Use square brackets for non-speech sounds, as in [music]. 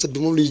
[hesitation] [hesitation]